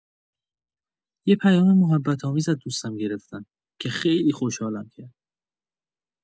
یه پیام محبت‌آمیز از دوستم گرفتم که خیلی خوشحالم کرد.